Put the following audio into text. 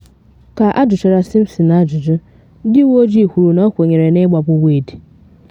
Ka ajụchara Simpson ajụjụ, ndị uwe ojii kwuru na ọ kwenyere na ịgbagbu Wayde.